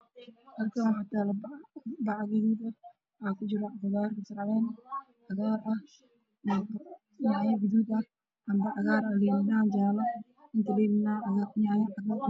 Halkaan waxaa taalo bac waxaa kujiro qudaar kabsar caleen, yaanyo gaduud ah, cambe cagaar ah iyo liin dhanaan jaale ah.